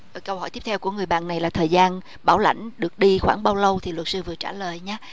câu hỏi tiếp theo của người bạn này là thời gian bảo lãnh được đi khoảng bao lâu thì luật sư vừa trả lời